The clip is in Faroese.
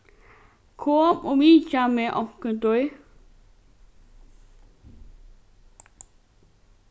kom og vitja meg onkuntíð